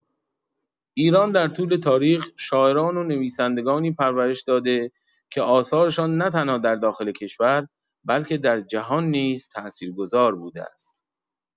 ایران در طول تاریخ، شاعران و نویسندگانی پرورش داده که آثارشان نه‌تنها در داخل کشور، بلکه در جهان نیز تأثیرگذار بوده است.